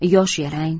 yosh yalang